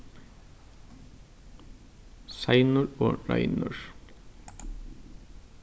seinur og reinur